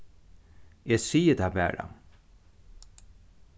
eg sigi tað bara